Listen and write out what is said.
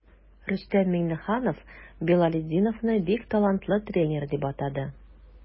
Рөстәм Миңнеханов Билалетдиновны бик талантлы тренер дип атады.